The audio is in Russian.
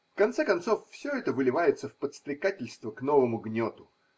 В конце концов все это выливается в подстрекательство к новому гнету.